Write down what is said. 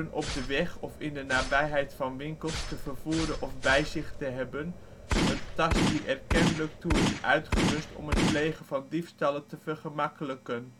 op de weg of in de nabijheid van winkels te vervoeren of bij zich te hebben een tas die er kennelijk toe is uitgerust om het plegen van diefstallen te vergemakkelijken